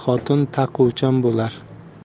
xotin taquvchan bo'lar